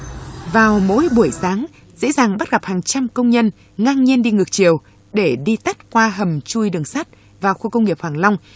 vào mỗi buổi sáng dễ dàng bắt gặp hàng trăm công nhân ngang nhiên đi ngược chiều để đi tắt qua hầm chui đường sắt và khu công nghiệp hoàng long